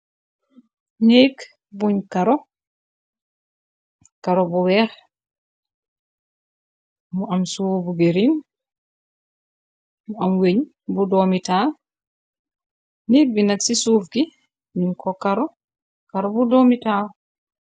Nékk buñ karo karo bu weex mu am soo bu gerin mu am weñ bu doomitahal nekk bi nag ci suuf gi niñ ko karo karo bu doomitahal.